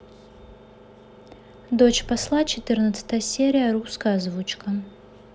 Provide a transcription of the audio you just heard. дочь посла четырнадцатая серия русская озвучка